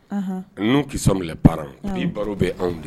N' ki minɛ baara bi baro bɛ anw de